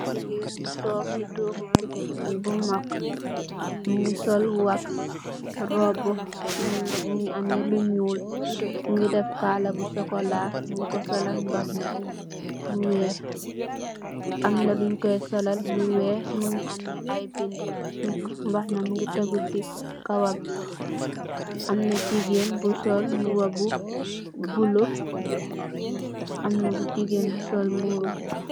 gan butok si togubu mak mungi sol wax, robu. Mungi ameh lu nyul mungi, deff kala bu socola nying ko solal mbahna bu wekh. Amna lunykoy solal lu wekh mungi am ayy bindi. Mbahna mungi tegu si kawam, Amna gigeen bu sol mbuba bu bula. Amna gigeen bu sol mbuba